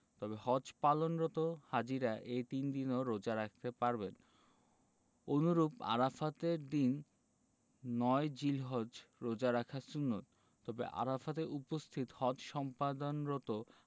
তবে হজ পালনরত হাজিরা এই তিন দিনও রোজা রাখতে পারবেন অনুরূপ আরাফাতের দিন ৯ জিলহজ রোজা রাখা সুন্নত তবে আরাফাতে উপস্থিত হজ সম্পাদনরত